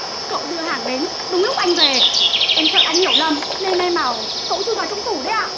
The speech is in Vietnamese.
cậu đưa hàng đến đúng lúc anh về em sợ anh hiểu lầm nên e bảo cậu chui vào trong tủ đấy ạ